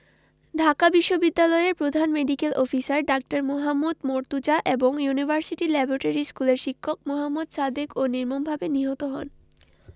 ঢাকা বিশ্ববিদ্যালয়ের প্রধান medical officer ডা. মোহাম্মদ মর্তুজা এবং ইউনিভার্সিটি ল্যাবরেটরি স্কুলের শিক্ষক মোহাম্মদ সাদেকও নির্মমভাবে নিহত হন